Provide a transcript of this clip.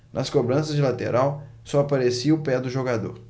nas cobranças de lateral só aparecia o pé do jogador